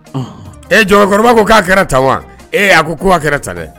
Ee jɔnkɔrɔba ko k'a kɛra tan wa ee a ko ko kɛra ta dɛ